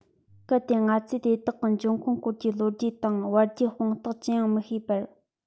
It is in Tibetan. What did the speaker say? གལ ཏེ ང ཚོས དེ དག གི འབྱུང ཁུངས སྐོར ཀྱི ལོ རྒྱུས དང བར བརྒྱུད དཔང རྟགས ཅི ཡང མི ཤེས པར